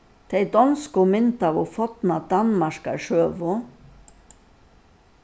tey donsku myndaðu forna danmarkarsøgu